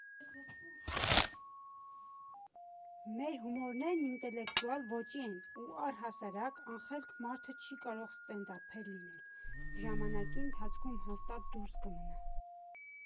Մեր հումորներն ինտելեկտուալ ոճի են ու առհասարակ անխելք մարդը չի կարող ստենդափեր լինել, ժամանակի ընթացքում հաստատ դուրս կմնա։